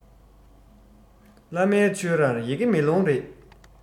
བླ མའི ཆོས རར ཡི གེ མེ ལོང རེད